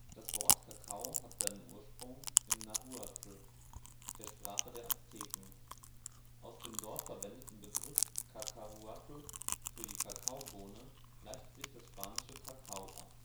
Das Wort Kakao hat seinen Ursprung im Nahuatl, der Sprache der Azteken. Aus dem dort verwendete Begriff cacahuatl für die Kakaobohne leitet sich das spanische cacao ab